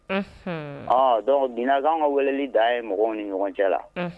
Unhun, a donc bi n'a k'anw ka weleli dan ye mɔgɔw ni ɲɔgɔn cɛ la